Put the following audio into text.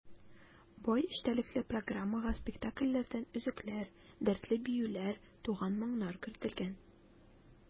Бай эчтәлекле программага спектакльләрдән өзекләр, дәртле биюләр, туган моңнар кертелгән.